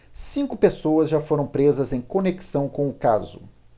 cinco pessoas já foram presas em conexão com o caso